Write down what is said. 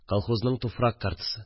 Колхозның туфрак картасы